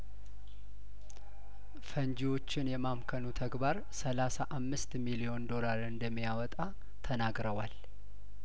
ፈንጂዎቹን የማምከኑ ተግባር ሰላሳ አምስት ሚሊዮን ዶላር እንደሚያወጣ ተናግረዋል